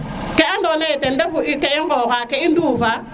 ke ano na ye ten refu ke i qoxa ke i ndufa